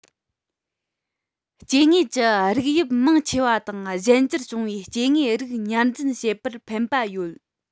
སྐྱེ དངོས ཀྱི རིགས དབྱིབས མང ཆེ བ དང གཞན འགྱུར བྱུང བའི སྐྱེ དངོས རིགས ཉར འཛིན བྱེད པར ཕན པ ཡོད